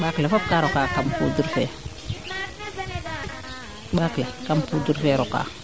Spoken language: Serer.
kaa roka kam poudre fee ɓaak le kam poudre fee roka